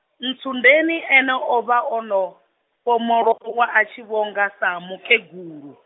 Ntsundeni ene o vha o no, fhomolowa a tshi vho nga sa mukegulu.